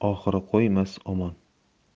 yomon oxiri qo'ymas omon